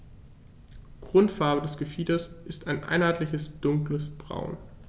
Grundfarbe des Gefieders ist ein einheitliches dunkles Braun.